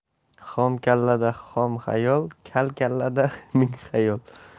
xom kallada xom xayol kal kallada ming xayol